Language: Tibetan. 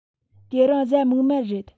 དེ རིང གཟའ མིག དམར རེད